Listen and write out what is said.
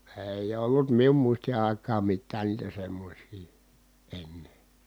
ei ollut minun muistin aikaan mitään niitä semmoisia ennen